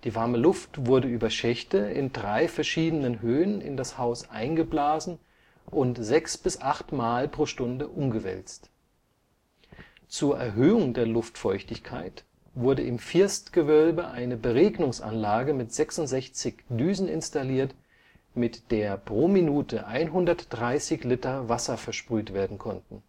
warme Luft wurde über Schächte in drei verschiedenen Höhen in das Haus eingeblasen und sechs - bis achtmal pro Stunde umgewälzt. Zur Erhöhung der Luftfeuchtigkeit wurde im Firstgewölbe eine Beregnungsanlage mit 66 Düsen installiert, mit der pro Minute 130 Liter Wasser versprüht werden konnten